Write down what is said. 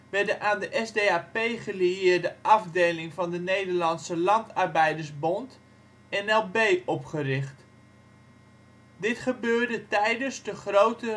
werd de aan de SDAP gelieerde afdeling van de Nederlandse Landarbeiderbond (NLB) opgericht. Dit gebeurde tijdens de grote